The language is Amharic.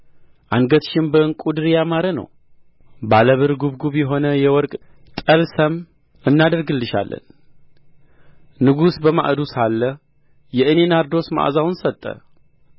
አንገትሽም በዕንቍ ድሪ ያማረ ነው ባለ ብር ጕብጕብ የሆነ የወርቅ ጠልሰም እናደርግልሻለን ንጉሡ በማዕዱ ሳለ የእኔ ናርዶስ መዓዛውን ሰጠ